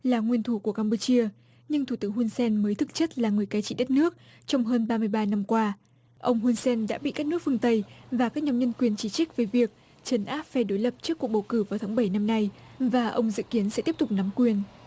là nguyên thủ của cam pu chia nhưng thủ tướng hun sen mới thực chất là người cai trị đất nước trong hơn ba mươi ba năm qua ông hun sen đã bị các nước phương tây và các nhóm nhân quyền chỉ trích về việc trấn áp phe đối lập trước cuộc bầu cử vào tháng bảy năm nay và ông dự kiến sẽ tiếp tục nắm quyền